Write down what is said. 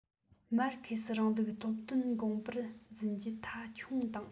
མར ཁེ སིའི རིང ལུགས སློབ སྟོན དགོངས པར འཛིན རྒྱུ མཐའ འཁྱོངས དང